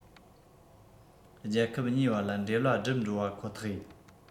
རྒྱལ ཁབ གཉིས བར ལ འབྲེལ བ བསྒྲིབས འགྲོ བ ཁོ ཐག ཡིན